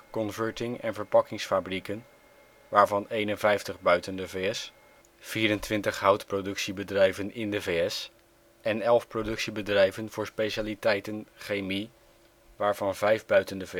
converting - en verpakkingsfabrieken (waarvan 51 buiten de VS), 24 houtproductiebedrijven in de VS en 11 productiebedrijven voor specialiteiten chemie (waarvan 5 buiten de